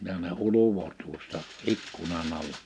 ja ne ulvoi tuosta ikkunan alla